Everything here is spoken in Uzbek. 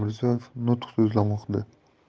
mirziyoyev nutq so'zlamoqda